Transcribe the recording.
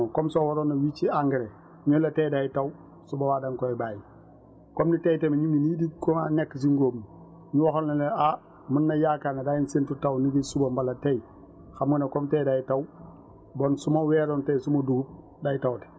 mooy tax nga jël sa décision comme soo waroon a wicc engrais ñu ne la tay day taw su boobaa danga koy bàyyi comme ni tay tamit ñu ngi nii di commen nekk si ngóob ñu waxoon la ne ah mën na yaakaar ne dangeen séntu taw ni ki suba wala tay xam nga ne comme tay day taw bon su ma weeroon tay suma dugub day tawte